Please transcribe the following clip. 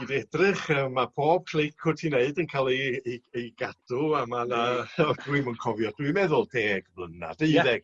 ni fi edrych yy ma' pob clic wt ti'n neud yn ca'l 'i 'i ei gadw a ma' 'na dwi'm yn cofio dwi'n meddwl deg flynadd deuddeg...